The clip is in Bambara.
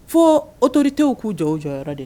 Fo autorités k'u jɔ u jɔyɔrɔ de la.